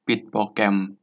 ปิดโปรแกรม